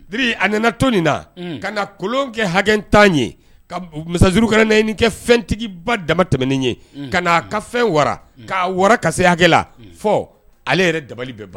A nana to nin na ka kolon kɛ hakɛtan ye masauruk kɛ fɛntigiba dama tɛmɛnen ye ka ka fɛn wa k'a ka seya la fɔ ale yɛrɛ dabali bɛ